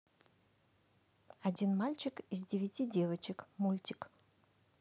один мальчик из девяти девочек мультик